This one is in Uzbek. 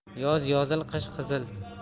yoz yozil qish qisil